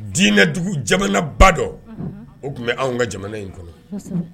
Diinɛdugu jamanaba dɔ o tun bɛ anw ka jamana in kɔnɔ